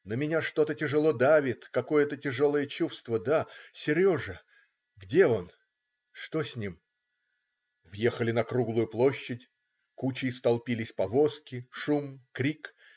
но меня что-то тяжело давит, какое-то тяжелое чувство. да, Сережа. где он? что с ним? Въехали на круглую площадь. Кучей столпились повозки. Шум. Крик.